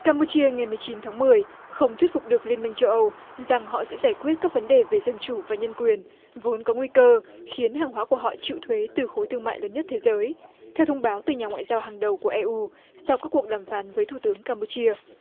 cam pu chia ngày mười chín tháng mười không thuyết phục được liên minh châu âu rằng họ sẽ giải quyết các vấn đề về dân chủ và nhân quyền vốn có nguy cơ khiến hàng hóa của họ chịu thuế từ khối thương mại lớn nhất thế giới theo thông báo từ nhà ngoại giao hàng đầu của e u sau các cuộc đàm phán với thủ tướng cam pu chia